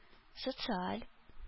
Социаль